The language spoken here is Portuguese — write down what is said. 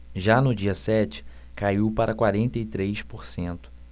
já no dia sete caiu para quarenta e três por cento